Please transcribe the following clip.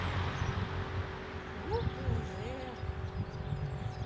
буква ж